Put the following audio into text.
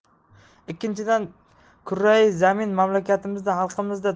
ikkinchidan kurrai zamin mamlakatimizga xalqimizga